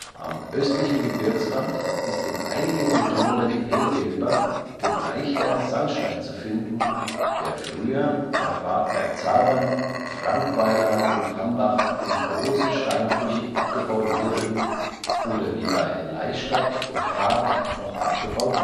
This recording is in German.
Am östlichen Gebirgsrand ist in einigen Regionen hellgelber, gebleichter Sandstein zu finden, der früher bei Bad Bergzabern, Frankweiler und Hambach in großen Steinbrüchen abgebaut wurde oder wie bei Leistadt und Haardt noch abgebaut